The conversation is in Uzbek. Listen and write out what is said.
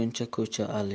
olishguncha ko'cha alish